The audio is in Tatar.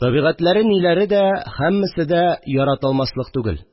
Табигатьләре-ниләре дә, һәммәсе дә яратылмаслык түгел